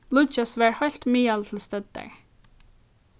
líggjas var heilt miðal til støddar